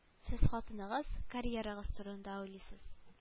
Сез хатыныгыз карьерагыз турында уйлыйсыз